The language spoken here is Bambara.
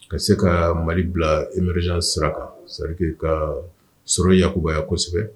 Ka se ka mali bila imerejan sira seri ka sɔrɔ yakubaya kosɛbɛ